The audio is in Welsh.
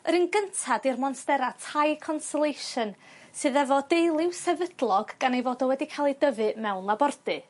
yr un gynta 'di'r monstera Thai constellation sydd efo deuliw sefydlog gan ei fod o wedi cael ei dyfu mewn labordy.